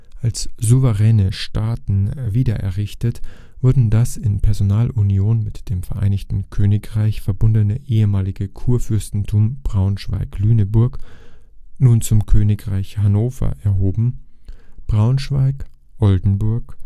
Als souveräne Staaten wiedererrichtet wurden das in Personalunion mit dem Vereinigten Königreich verbundene ehemalige Kurfürstentum Braunschweig-Lüneburg (nun zum Königreich Hannover erhoben), Braunschweig, Oldenburg